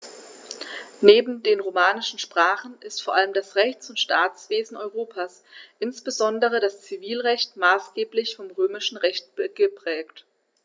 Neben den romanischen Sprachen ist vor allem das Rechts- und Staatswesen Europas, insbesondere das Zivilrecht, maßgeblich vom Römischen Recht geprägt.